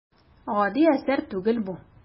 Гади әсәр түгел бу.